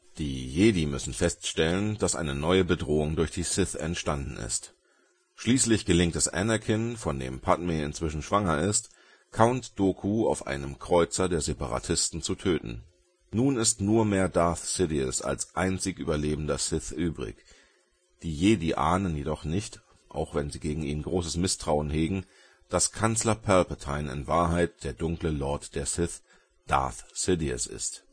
Die Jedi müssen feststellen, dass eine neue Bedrohung durch die Sith entstanden ist. Schließlich gelingt es Anakin, von dem Padmé inzwischen schwanger ist, Count Dooku auf einem Kreuzer der Seperatisten zu töten. Nun ist nur mehr Darth Sidious als einzig überlebender Sith übrig, die Jedi ahnen jedoch nicht, auch wenn sie gegen ihn großes Misstrauen hegen, dass Kanzler Palpatine in Wahrheit der dunkle Lord der Sith, Darth Sidious ist